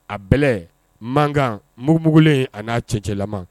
A bɛ man kan munmugulen a n'a cɛ cɛla